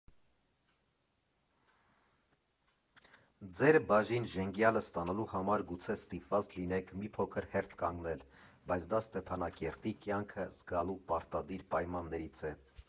Ձեր բաժին ժենգյալը ստանալու համար գուցե ստիպված լինեք մի փոքր հերթ կանգնել, բայց դա Ստեփանակերտի կյանքը զգալու պարտադիր պայմաններից է։